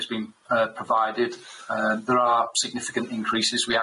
has been yy provided yym there are significant increases we